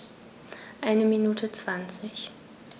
Eine Minute 20